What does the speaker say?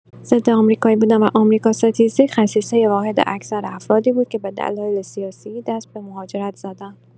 ضدآمریکایی بودن و آمریکاستیزی خصیصۀ واحد اکثر افرادی بود که به دلایل سیاسی دست به مهاجرت زدند.